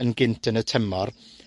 yn gynt yn y tymor.